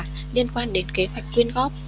liên quan đến kế hoạch quyên góp